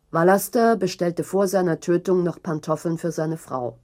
Vallaster bestellte vor seiner Tötung noch Pantoffeln für seine Frau